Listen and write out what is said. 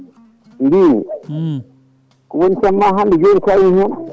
mbimi ko wooni théme hande joni kalen hen